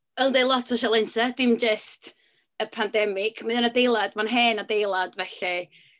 Ond ie, lot o sialensau, dim jyst y pandemig. Mae o'n adeilad... mae'n hen adeilad felly...